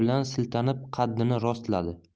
bilan siltanib qaddini rostladi